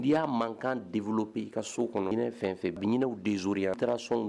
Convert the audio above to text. N'i y'a mankan developper i ka so kɔnɔ , ɲinɛ fɛn o fɛn bɛ yen a bɛ ɲinɛw desorienter